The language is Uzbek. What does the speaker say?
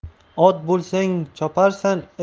ot bo'lsang choparsan